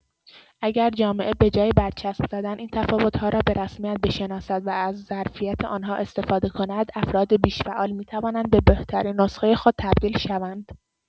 اگر جامعه به‌جای برچسب زدن، این تفاوت‌ها را به‌رسمیت بشناسد و از ظرفیت آن‌ها استفاده کند، افراد بیش‌فعال می‌توانند به بهترین نسخه خود تبدیل شوند.